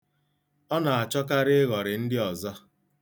Ọ na-achọkarị ịghọrị ndị ọzọ.